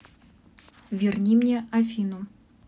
верни мне афину